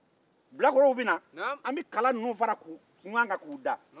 bilakorow bɛ na an bɛ kalaw fara ɲɔgɔn kan k'u da